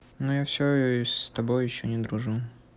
ну я все с тобой еще не дружу